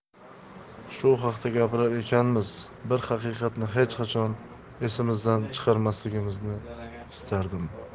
shu haqda gapirar ekanmiz bir haqiqatni hech qachon esimizdan chiqarmasligimizni istardim